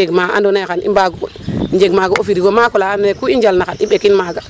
Ndaa i njeganga lieu jeg ma andoona yee xan i mbaag o njeg maaga o frigo maak ola andoona yee ku i njalna xan i ɓekin maaga